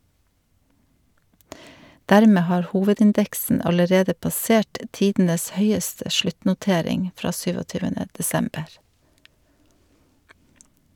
Dermed har hovedindeksen allerede passert tidenes høyeste sluttnotering fra 27. desember.